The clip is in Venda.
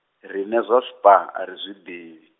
riṋe zwa Spar ari zwi nḓivhi.